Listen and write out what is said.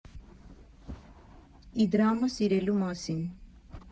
ԻԴՐԱՄԸ ՍԻՐԵԼՈՒ ՄԱՍԻՆ։